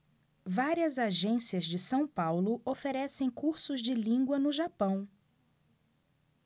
várias agências de são paulo oferecem cursos de língua no japão